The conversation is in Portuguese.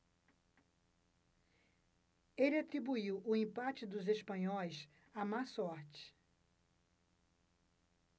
ele atribuiu o empate dos espanhóis à má sorte